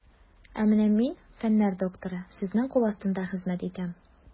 Ә менә мин, фәннәр докторы, сезнең кул астында хезмәт итәм.